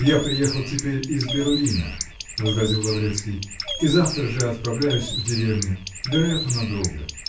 -- Я приехал теперь из Берлина, -- возразил Лаврецкий, -- и завтра же отправляюсь в деревню -- вероятно, надолго.